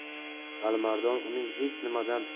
alimardon uning hech nimadan